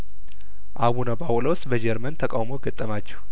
አቡነ ጳውሎስ በጀርመን ተቃውሞ ገጠማቸው